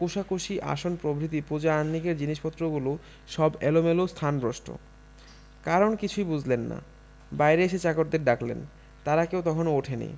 কোষাকুষি আসন প্রভৃতি পূজা আহ্নিকের জিনিসপত্রগুলো সব এলোমেলো স্থানভ্রষ্ট কারণ কিছুই বুঝলেন না বাইরে এসে চাকরদের ডাকলেন তারা কেউ তখনও ওঠেনি